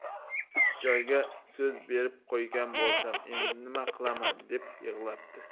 uch joyga so'z berib qo'ygan bo'lsam endi nima qilaman deb yig'labdi